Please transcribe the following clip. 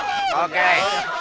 kê